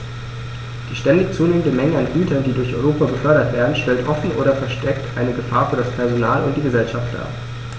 Die ständig zunehmende Menge an Gütern, die durch Europa befördert werden, stellt offen oder versteckt eine Gefahr für das Personal und die Gesellschaft dar.